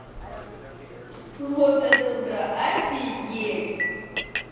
вот это да офигеть